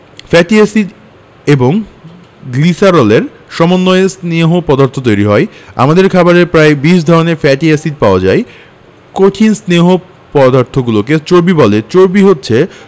fatty acid এবং গ্লিসারলের সমন্বয়ে স্নেহ পদার্থ তৈরি হয় আমাদের খাবারে প্রায় ২০ ধরনের ফ্যাটি এসিড পাওয়া যায় কঠিন স্নেহ পদার্থগুলোকে চর্বি বলে চর্বি হচ্ছে